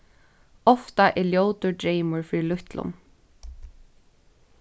ofta er ljótur dreymur fyri lítlum